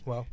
waa